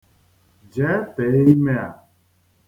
Jee tee ime a.